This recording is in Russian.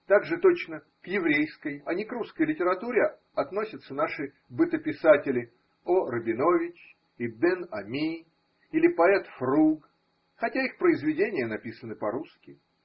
Так же точно к еврейской, а не к русской литературе относятся наши бытописатели О. Рабинович и Бен-Ами, или поэт Фруг, хотя их произведения написаны по-русски.